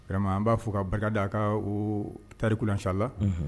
Vraiment an b'a fo ka barika da a ka oo tarikula in sha Allah unhun.